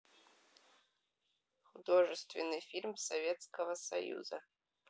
художественный фильм советского союза